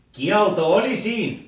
kielto oli siinä